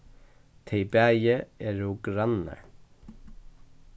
tey bæði eru grannar